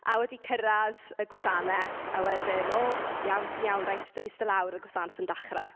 A wedi cyrraedd y gwasanaeth, a wedyn, "O iawn, ti'n iawn, reit te." Iste lawr, y gwasanaeth yn dechrau.